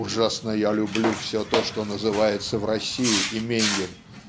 "Ужасно я люблю все то, что называется в России именьем